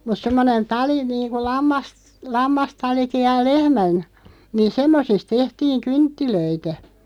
mutta semmoinen tali niin kuin - lammastalikin ja lehmän niin semmoisista tehtiin kynttilöitä